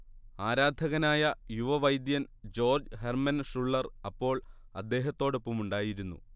ആരാധകനായ യുവവൈദ്യൻ George Herman Schuller അപ്പോൾ അദ്ദേഹത്തോടൊപ്പമുണ്ടായിരുന്നു